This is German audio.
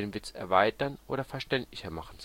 Witz erweitert oder verständlicher machen